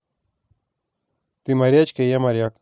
ты морячка я моряк